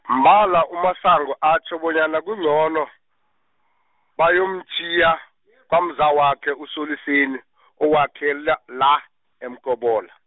mbala uMasango atjho bonyana kuncono, bayomtjhiya , kwamzawakhe uSoLiseni , owakhe le la eMkobola.